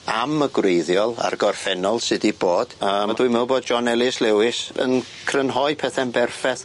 am y gwreiddiol a'r gorffennol sy 'di bod yym dwi'n meddwl bod John Ellis Lewis yn crynhoi pethe'n berffeth.